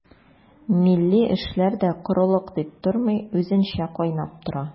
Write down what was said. Милли эшләр дә корылык дип тормый, үзенчә кайнап тора.